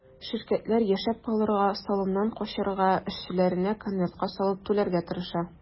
Ширкәтләр яшәп калырга, салымнан качарга, эшчеләренә конвертка салып түләргә тырыша.